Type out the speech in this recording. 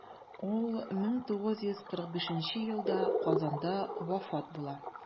Ул 1945 елда Казанда вафат була.